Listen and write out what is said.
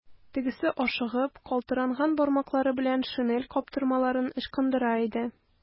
Тегесе ашыгып, калтыранган бармаклары белән шинель каптырмаларын ычкындыра иде.